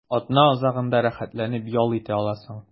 Атна азагында рәхәтләнеп ял итә аласың.